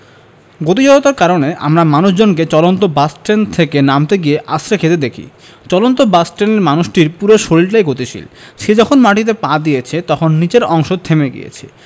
গতি জড়তার কারণে আমরা মানুষজনকে চলন্ত বাস ট্রেন থেকে নামতে গিয়ে আছাড় খেতে দেখি চলন্ত বাস ট্রেনের মানুষটির পুরো শরীরটাই গতিশীল সে যখন মাটিতে পা দিয়েছে তখন নিচের অংশ থেমে গিয়েছে